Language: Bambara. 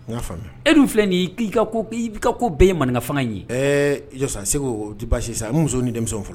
N'a faamuya e dun filɛ nin k'i i' ka ko bɛɛ ye maninka fanga ye jɔ sisan se o tɛ baasi sisan muso ni denmuso fɔlɔ